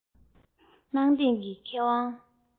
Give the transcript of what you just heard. གནའ དེང གི མཁས དབང